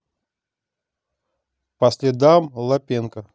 по следам лапенко